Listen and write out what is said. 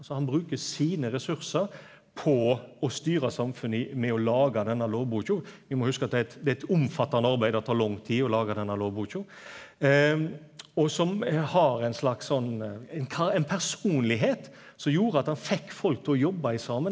altså han bruker sine ressursar på å styre samfunnet i med å laga denne lovboka, vi må hugse at det er eit det er eit omfattande arbeid, det tar lang tid å laga denne lovboka, og som har ein slags sånn ein ein personlegdom som gjorde at han fekk folk til å jobbe saman.